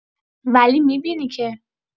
ولی می‌بینی که!